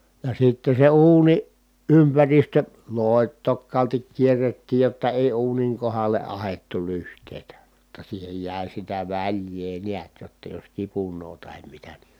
ja sitten se uunin ympäristö loitokkaalti kierrettiin jotta ei uunin kohdalle ahdettu lyhteitä jotta siihen jäi sitä väljää näet jotta jos kipunoi tai mitä niin